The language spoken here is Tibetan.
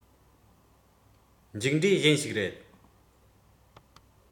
མཇུག འབྲས གཞན ཞིག རེད